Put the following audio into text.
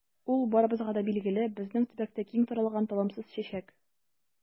Ул барыбызга да билгеле, безнең төбәктә киң таралган талымсыз чәчәк.